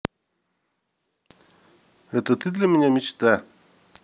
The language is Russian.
это ты для меня мечта